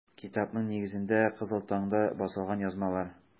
Китапның нигезендә - “Кызыл таң”да басылган язмалар.